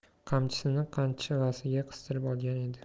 qamchisini qanjig'asiga qistirib olgan edi